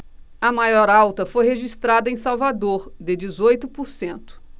a maior alta foi registrada em salvador de dezoito por cento